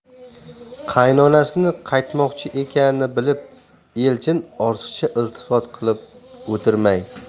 qaynonasini qaytmoqchi ekanini bilib elchin ortiqcha iltifot qilib o'tirmay